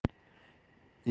endi shirin uxlab